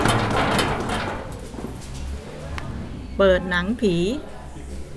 เปิดหนังผี